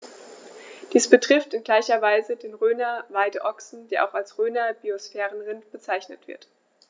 Dies betrifft in gleicher Weise den Rhöner Weideochsen, der auch als Rhöner Biosphärenrind bezeichnet wird.